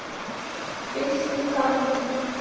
песня танки